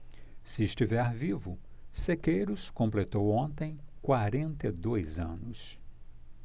se estiver vivo sequeiros completou ontem quarenta e dois anos